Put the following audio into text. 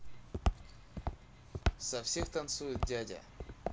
со всех танцует дядя